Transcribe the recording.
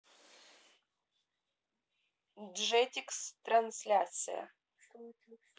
джетикс трансляция